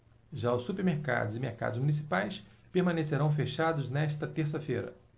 já os supermercados e mercados municipais permanecerão fechados nesta terça-feira